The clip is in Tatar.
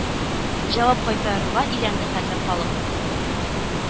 Җавап кайтарырга өйрәнде хәзер халык